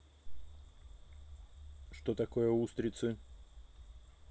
что такое устрицы